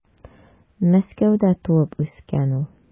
Мәскәүдә туып үскән ул.